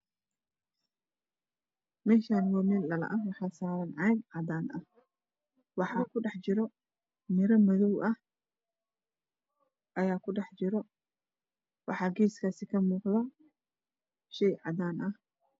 Meshan wa mel dhalo ah waxa saran cag cadan ah waxa ku dhaxjiro miro madowah aya ku dhaxjiro waxa geskasi kamuqdo shey cadanah